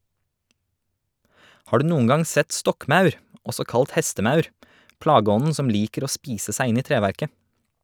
Har du noen gang sett stokkmaur, også kalt hestemaur, plageånden som liker å spise seg inn i treverket?